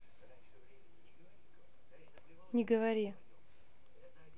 не говори